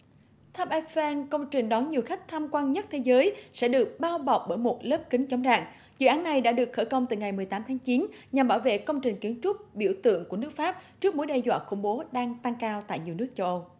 tháp ép phen công trình đón nhiều khách tham quan nhất thế giới sẽ được bao bọc bởi một lớp kính chống đạn dự án này đã được khởi công từ ngày mười tám tháng chín nhằm bảo vệ công trình kiến trúc biểu tượng của nước pháp trước mối đe dọa khủng bố đang tăng cao tại nhiều nước châu âu